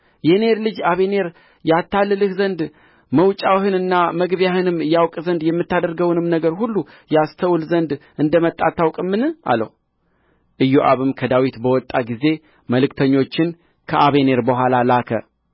የኔር ልጅ አበኔር ያታልልህ ዘንድ መውጫህንና መግቢያህንም ያውቅ ዘንድ የምታደርገውንም ነገር ሁሉ ያስተውል ዘንድ እንደ መጣ አታውቅምን አለው ኢዮአብም ከዳዊት በወጣ ጊዜ መልእክተኞችን ከአበኔር በኋላ ላከ